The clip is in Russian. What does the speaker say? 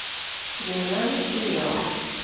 криминальный сериал